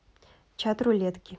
чат рулетки